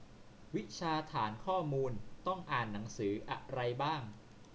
วิชาฐานข้อมูลต้องอ่านหนังสืออะไรบ้าง